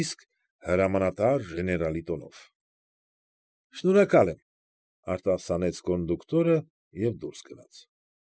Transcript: Իսկ հրամանատար ժեներալի տոնով։ ֊ Շնորհակալ եմ,֊ արտասանեց կոնդուկտորը և դուրս գնաց։